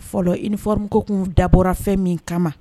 Fɔlɔ i niforom ko tun dabɔrafɛn min kama